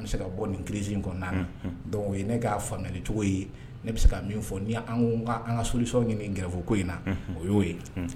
An bɛ se ka bɔ nin crise kɔnɔna na donc o ye ne ka faamuyali cogo ye ne bɛ se ka min fɔ ni an ko k'an ka solution ɲini grève ko in na o y'o ye.